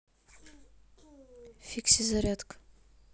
фикси зарядка